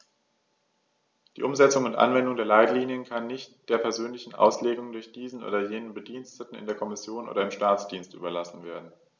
Die Umsetzung und Anwendung der Leitlinien kann nicht der persönlichen Auslegung durch diesen oder jenen Bediensteten in der Kommission oder im Staatsdienst überlassen werden.